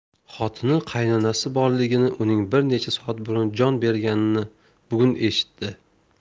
xotini qaynonasi borligini uning bir necha soat burun jon berganini bugun eshitdi